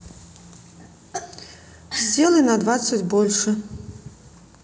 сделай на двадцать больше